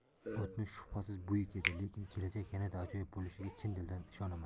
o'tmish shubhasiz buyuk edi lekin kelajak yanada ajoyib bo'lishiga chin dildan ishonaman